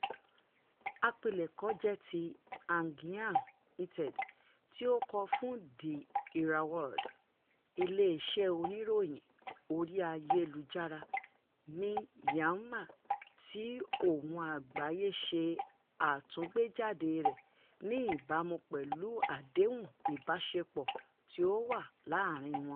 Àpilẹ̀kọ jẹ́ ti Aung Kyaw Htet tí ó kọ́ fún The Irrawaddy, iléeṣẹ́ oníròyìnin orí ayélujára ní Myanmar, tí Ohùn Àgbáyé ṣe àtúntẹ̀jádée rẹ̀ ní ìbámu pẹ̀lú àdéhùn ìbáṣepọ̀ tí ó wà láàárín wọn.